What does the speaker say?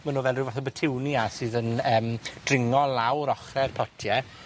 ma nw fel ryw bath y Betiwnia sydd yn yym, dringo lawr ochre'r potie.